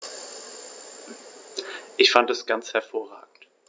Ich fand das ganz hervorragend.